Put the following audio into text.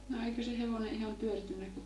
no eikö se hevonen ihan pyörtynyt kun